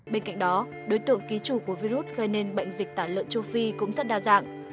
bên cạnh đó đối tượng ký chủ của vi rút gây nên bệnh dịch tả lợn châu phi cũng rất đa dạng